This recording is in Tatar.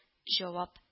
Җавап